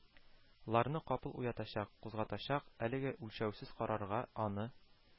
Ларны капыл уятачак, кузгатачак, әлеге үлчәүсез карарга, аны